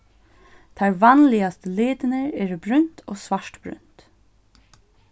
teir vanligastu litirnir eru brúnt og svartbrúnt